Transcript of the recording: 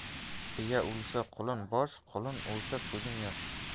biya o'lsa qulun bosh qulun o'lsa ko'zing yosh